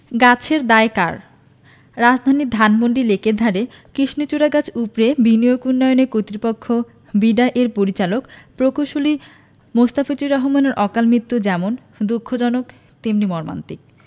গাছের দায় কার রাজধানীর ধানমন্ডি লেকের ধারে কৃষ্ণচূড়া গাছ উপড়ে বিনিয়োগ উন্নয়ন কর্তৃপক্ষ বিডা এর পরিচালক প্রকৌশলী মোস্তাফিজুর রহমানের অকালমৃত্যু যেমন দুঃখজনক তেমনি মর্মান্তিক